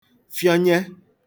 fịọnye